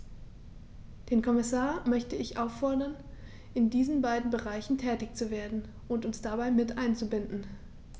Den Kommissar möchte ich auffordern, in diesen beiden Bereichen tätig zu werden und uns dabei mit einzubinden.